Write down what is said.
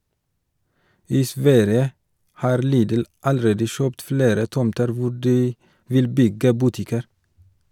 I Sverige har Lidl allerede kjøpt flere tomter hvor de vil bygge butikker.